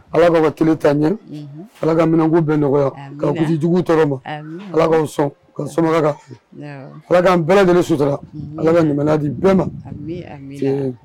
Ala k'a ka kelen ta ɲɛ ala ka minɛnkun bɛ nɔgɔya ka jugu tɔɔrɔ ma ala'aw sɔn ka sokan bɛ de suturara ala kayadi bɛɛ ma